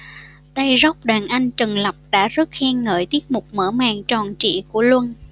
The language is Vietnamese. tay rock đàn anh trần lập đã rất khen ngợi tiết mục mở màn tròn trịa của luân